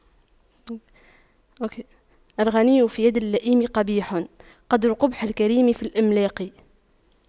الغنى في يد اللئيم قبيح قدر قبح الكريم في الإملاق